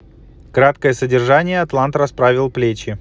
краткое содержание атлант расправил плечи